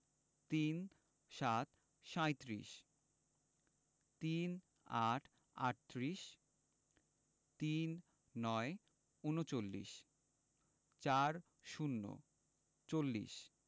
৩৭ - সাঁইত্রিশ ৩৮ - আটত্রিশ ৩৯ - ঊনচল্লিশ ৪০ - চল্লিশ